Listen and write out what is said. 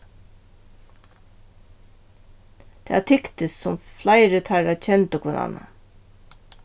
tað tyktist sum fleiri teirra kendu hvønn annan